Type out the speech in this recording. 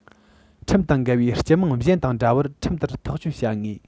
ཁྲིམས དང འགལ བའི སྤྱི དམངས གཞན དང འདྲ བར ཁྲིམས ལྟར ཐག གཅོད བྱ ངེས